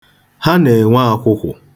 Ha na-enwe akwụkwụ.